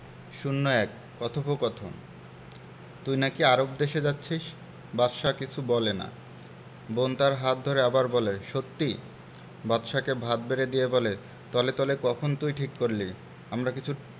০১ কথোপকথন তুই নাকি আরব দেশে যাচ্ছিস বাদশা কিছু বলে না বোন তার হাত ধরে আবার বলে সত্যি বাদশাকে ভাত বেড়ে দিয়ে বলে তলে তলে কখন তুই ঠিক করলি আমরা কিছু